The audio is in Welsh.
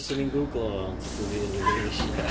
'Swn i'n gwglo fo, ond dwi rili ddim isio.